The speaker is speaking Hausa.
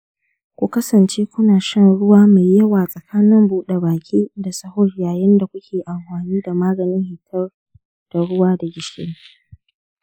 ku kasance kuna shan ruwa mai yawa tsakanin buɗe baki da sahur yayin da kuke anfani da maganin fitar da ruwa da gishiri.